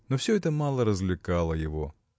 Но всё это мало развлекало его.